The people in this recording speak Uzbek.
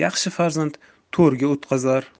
yaxshi farzand to'rga o'tqazar